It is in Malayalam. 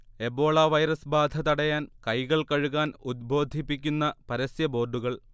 എബോള വൈറസ് ബാധ തടയാൻ കൈകൾ കഴുകാൻ ഉദ്ബോധിപ്പിക്കുന്ന പരസ്യ ബോർഡുകൾ